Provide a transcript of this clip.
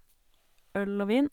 Øl og vin.